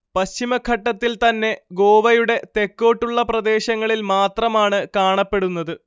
പശ്ചിമഘട്ടത്തിൽ തന്നെ ഗോവയുടെ തെക്കോട്ടുള്ള പ്രദേശങ്ങളിൽ മാത്രമാണ് കാണപ്പെടുന്നത്